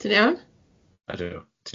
Ti'n iawn?